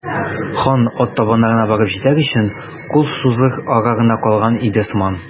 Хан ат табыннарына барып җитәр өчен кул сузыр ара гына калган иде сыман.